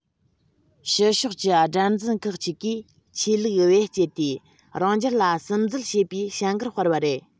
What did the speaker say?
ཕྱི ཕྱོགས ཀྱི དགྲར འཛིན ཁག ཅིག གིས ཆོས ལུགས བེད སྤྱད དེ རང རྒྱལ ལ སིམ འཛུལ བྱེད པའི བྱ འགུལ སྤེལ བ རེད